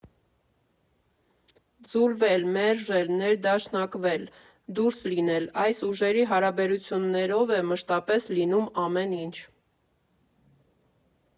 Ձուլվել, մերժել, ներդաշնակվել, դուրս լինել, այս ուժերի հարաբերություններով է մշտապես լինում ամեն ինչ։